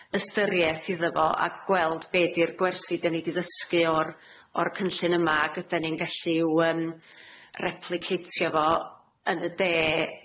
ystyrieth iddo fo, a gweld be' 'di'r gwersi 'den ni 'di ddysgu o'r o'r cynllun yma. Ag yden ni'n gellu i'w yym replicatio fo yn y de,